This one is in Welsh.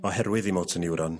...oherwydd 'i motir neuron